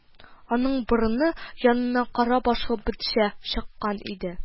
Аның борыны янына кара башлы бетчә чыккан иде